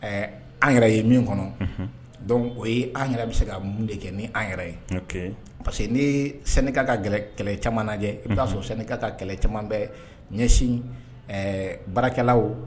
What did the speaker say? Ɛɛ an yɛrɛ ye min kɔnɔ dɔnku o ye an yɛrɛ bɛ se ka mun de kɛ ni an yɛrɛ ye parce que ne sɛnɛnika ka kɛlɛ caman lajɛ i b'a sɔrɔ sɛnɛka ka kɛlɛ caman bɛɛ ɲɛsin barakɛlaw